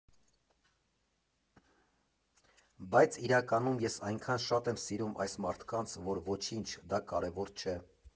Բայց իրականում ես այնքան շատ եմ սիրում այս մարդկանց, որ ոչինչ, դա կարևոր չէ։